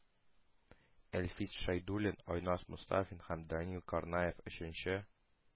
Әлфис Шәйдуллин, Айназ Мостафин һәм Данил Каранаев өченче